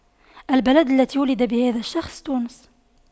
البلد التي ولد بها هذا الشخص تونس